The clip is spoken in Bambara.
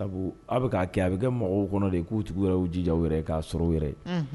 Sabu a bɛ k'a kɛ a bɛ kɛ mɔgɔw kɔnɔ de k'u tiguw yɛrɛw y'u jija u yɛrɛ ye k'a sɔrɔ u yɛrɛ ye unhun